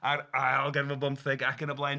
A'r ail ganrif ar bymtheg, ac yn y blaen.